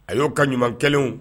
A y'o ka ɲuman kɛlenw